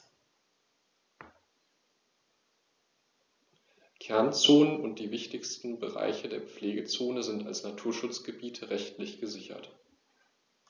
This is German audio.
Kernzonen und die wichtigsten Bereiche der Pflegezone sind als Naturschutzgebiete rechtlich gesichert.